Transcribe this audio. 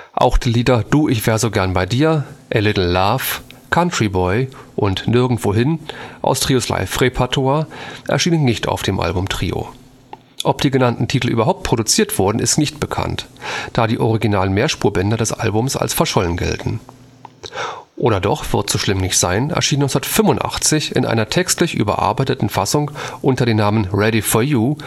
Auch die Lieder Du ich wär so gern bei dir, A Little Love, Country Boy und Nirgendwohin aus Trios Live-Repertoire erschienen nicht auf dem Album Trio. Ob die genannten Titel überhaupt produziert wurden, ist nicht bekannt, da die originalen Mehrspurbänder des Albums als verschollen gelten. Oder doch – Wird so schlimm nicht sein erschien 1985 in einer textlich überarbeiteten Fassung unter dem Namen Ready For You